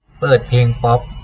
เปิดเพลงป๊อป